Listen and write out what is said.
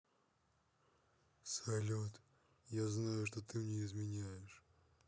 салют я знаю что ты мне изменяешь